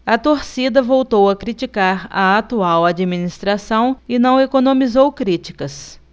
a torcida voltou a criticar a atual administração e não economizou críticas